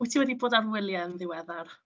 Wyt ti wedi bod ar wyliau yn ddiweddar?